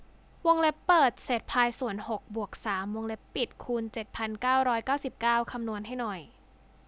วงเล็บเปิดเศษพายส่วนหกบวกสามวงเล็บปิดคูณเจ็ดพันเก้าร้อยเก้าสิบเก้าคำนวณให้หน่อย